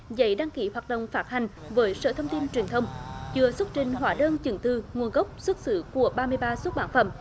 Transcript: giấy đăng ký hoạt động phát hành với sở thông tin truyền thông chưa xuất trình hóa đơn chứng từ nguồn gốc xuất xứ của ba mươi ba xuất bản phẩm